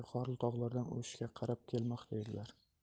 qorli tog'lardan o'shga qarab kelmoqda edilar